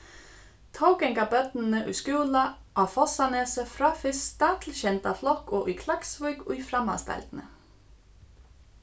tó ganga børnini í skúla á fossánesi frá fyrsta til sjeynda flokk og í klaksvík í framhaldsdeildini